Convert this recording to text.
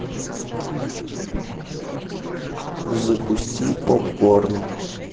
запусти попкорн